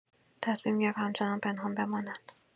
تصمیم گرفت همچنان پنهان بماند.